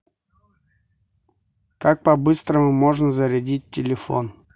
как по быстрому можно зарядить телефон